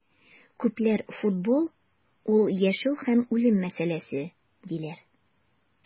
Күпләр футбол - ул яшәү һәм үлем мәсьәләсе, диләр.